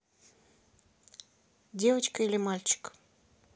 девочка или мальчик